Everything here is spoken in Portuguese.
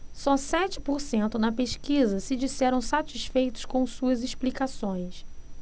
só sete por cento na pesquisa se disseram satisfeitos com suas explicações